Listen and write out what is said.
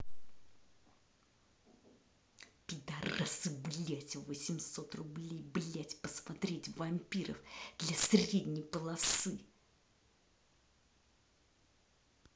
пидарасы блядь восемьсот рублей блядь посмотреть вампиров для средней полосы